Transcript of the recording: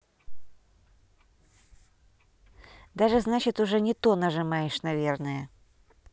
даже значит уже не то нажимаешь наверное